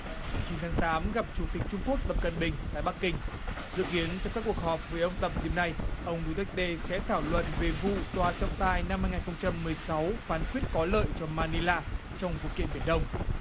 chín tháng tám gặp chủ tịch trung quốc tập cận bình tại bắc kinh dự kiến trong các cuộc họp với ông tập dịp này ông đu téc tê sẽ thảo luận về vụ tòa trọng tài năm hai ngàn không trăm mười sáu phán quyết có lợi cho ma ni la trong vụ kiện biển đông